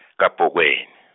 Kabhokweni.